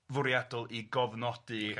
fwriadol i gofnodi ocê.